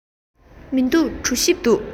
མི འདུག གྲོ ཞིབ འདུག